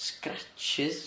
Scratches?